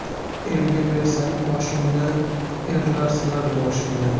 erga bersang oshingni erlar silar boshingni